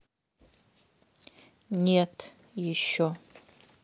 нет еще